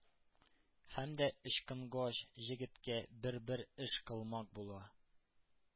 Һәм дә ычкынгач, җегеткә бер-бер эш кылмак була.